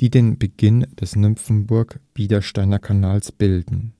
die den Beginn des Nymphenburg-Biedersteiner Kanals bilden